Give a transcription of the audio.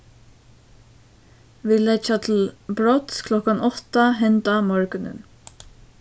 vit leggja til brots klokkan átta henda morgunin